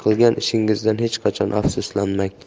qilgan ishingizdan hech qachon afsuslanmang